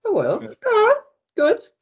O wel da good.